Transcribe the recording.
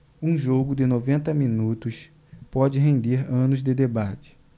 um jogo de noventa minutos pode render anos de debate